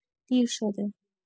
دیر شده